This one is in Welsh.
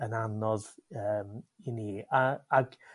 yn anodd yym i mi a ag